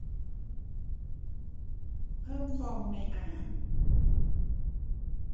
เพิ่มฟองในอ่าง